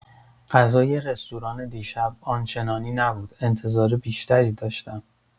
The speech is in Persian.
غذای رستوران دیشب آنچنانی نبود، انتظار بیشتری داشتم.